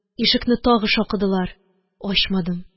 Ишекне тагы шакыдылар – ачмадым